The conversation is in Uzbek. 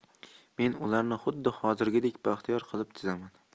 men ularni xuddi hozirgidek baxtiyor qilib chizaman